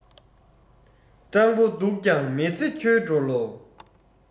སྤྲང པོ སྡུག ཀྱང མི ཚེ འཁྱོལ འགྲོ ལོ